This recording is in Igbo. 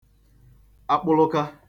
akpụlụka